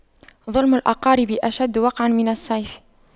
ظلم الأقارب أشد وقعا من السيف